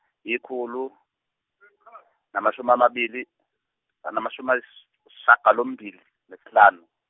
ikhulu namashumi amabili namashumi ayisishiyagalombili nesihlanu.